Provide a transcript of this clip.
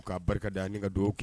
U ka barika da an ka don kɛ